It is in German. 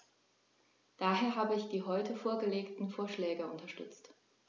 Daher habe ich die heute vorgelegten Vorschläge unterstützt.